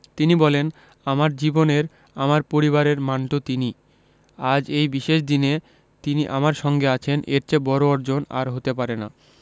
তিনি বলেন আমার জীবনের আমার পরিবারের মান্টো তিনি আজ এই বিশেষ দিনে তিনি আমার সঙ্গে আছেন এর চেয়ে বড় অর্জন আর হতে পারে না